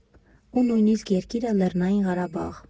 Ու նույնիսկ երկիրը՝ Լեռնային Ղարաբաղ։